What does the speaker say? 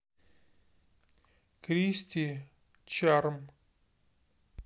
кристи чарм